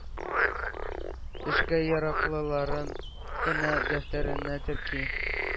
Эшкә яраклыларын гына дәфтәренә терки.